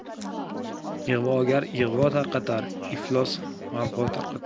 ig'vogar ig'vo tarqatar iflos g'avg'o tarqatar